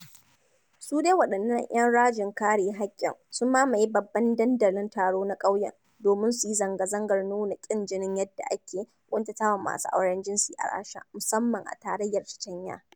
Su dai waɗannan 'yan rajin kare haƙƙin sun mamaye babban dandalin taro na ƙauyen domin su yi zanga-zangar nuna ƙin jinin yadda ake ƙuntatawa masu auren jinsi a Rasha, musamman a tarayyar Chechnya.